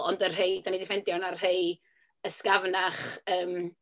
Ond y rhai dan 'di ffeindio, o' na rhai ysgafnach, yym...